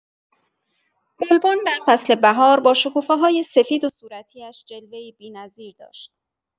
گلبن در فصل بهار با شکوفه‌های سفید و صورتی‌اش جلوه‌ای بی‌نظیر داشت.